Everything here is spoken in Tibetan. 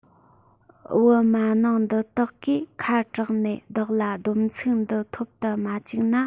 འབུ མ ནིང འདི དག གིས ཁ དྲངས ནས བདག ལ བསྡོམས ཚིག འདི ཐོབ ཏུ མ བཅུག ན